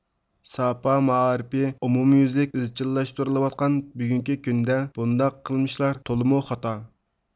ساپا مائارىپى ئومۇميۈزلۈك ئىزچىللاشتۇرۇلۇۋاتقان بۈگۈنكى كۈندە بۇنداق قىلمىشلار تولىمۇ خاتا